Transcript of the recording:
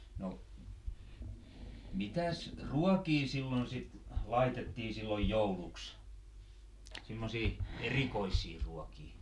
no mitäs ruokia silloin sitten laitettiin silloin jouluksi semmoisia erikoisia ruokia